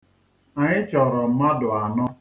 Anyị chọrọ mmadụ anọ.